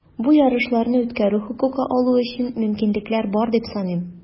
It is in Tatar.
Бу ярышларны үткәрү хокукы алу өчен мөмкинлекләр бар, дип саныйм.